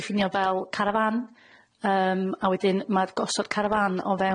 eu ddiffinio fel carafan yym a wedyn ma'r gosod carafan o fewn